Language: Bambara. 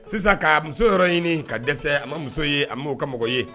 Sisan ka muso yɔrɔ ɲini ka dɛsɛ, a ma muso ye, a m'o ka mɔgɔ ye.